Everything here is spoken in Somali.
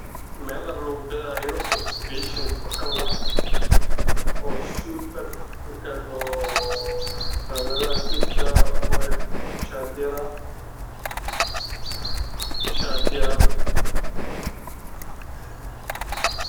Meel dhar lagu gadaayo suud ka shaatiyaal